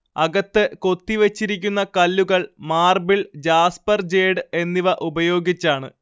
അകത്ത് കൊത്തി വച്ചിരിക്കുന്ന കല്ലുകൾ മാർബിൾ ജാസ്പർ ജേഡ് എന്നിവ ഉപയോഗിച്ചാണ്